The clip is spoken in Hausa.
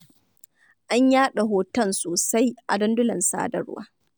An yaɗa hoton sosai a dandulan sadarwa.